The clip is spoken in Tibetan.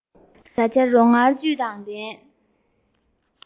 བཟའ བྱ རོ མངར བཅུད དང ལྡན